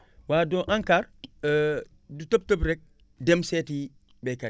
waaw doo ANCAR du tëb tëb rek dem seeti baykat yi